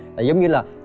tại giống như là